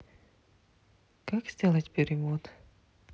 как сделать перевод